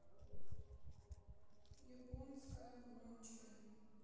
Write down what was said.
японская гончая